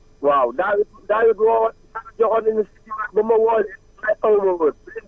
waaw daaw it daaw it woowoon joxoon nañ ma seen numéro ba ma woo leen waaye aw ma woon